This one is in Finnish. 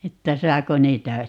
että saako niitä